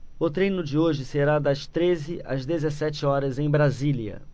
o treino de hoje será das treze às dezessete horas em brasília